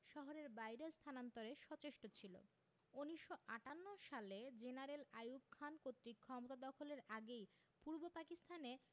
শহরের বাইরে স্থানান্তরে সচেষ্ট ছিল ১৯৫৮ সালে জেনারেল আইয়ুব খান কর্তৃক ক্ষমতা দখলের আগেই পূর্ব পাকিস্তানে